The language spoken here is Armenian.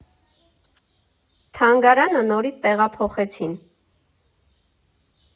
Թանգարանը նորից տեղափոխեցին։